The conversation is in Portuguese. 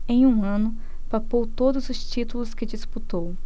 em um ano papou todos os títulos que disputou